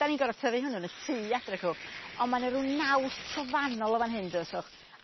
'dan ni'n gor'o' tyfu hwnnw'n y tŷ adre cw on' ma' 'ne rw naws trofannol y' fan hyn